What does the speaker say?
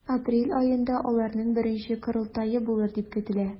Апрель аенда аларның беренче корылтае булыр дип көтелә.